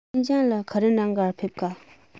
ཤིན ཅང ལ ག རེ གནང ག ཕེབས འགྲོ ག